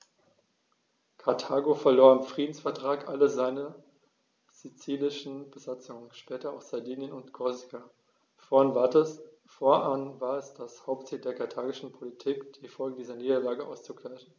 Karthago verlor im Friedensvertrag alle seine sizilischen Besitzungen (später auch Sardinien und Korsika); fortan war es das Hauptziel der karthagischen Politik, die Folgen dieser Niederlage auszugleichen.